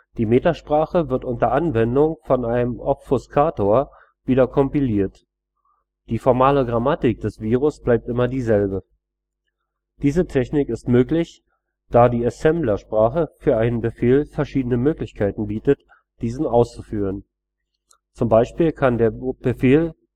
Die Metasprache wird unter Anwendung von einem Obfuscator wieder kompiliert. Die formale Grammatik des Virus bleibt immer dieselbe. Diese Technik ist möglich, da die Assemblersprache für einen Befehl verschiedene Möglichkeiten bietet, diesen auszuführen. Zum Beispiel kann der Befehl